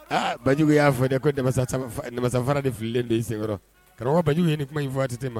Aa Banjugu y'a fɔ dɛ ko namasa fara de fililen de ye senkɔrɔ karamɔgɔ Baajugu ye ni kuma ibfɔ ATT ma.